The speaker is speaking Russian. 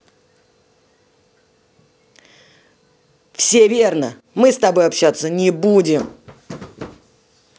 все верно мы с тобой общаться не будем